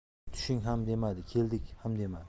tushing ham demadi keldik ham demadi